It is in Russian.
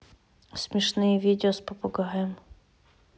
смешные видео с попугаем